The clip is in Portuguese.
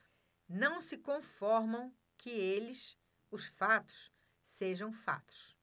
não se conformam que eles os fatos sejam fatos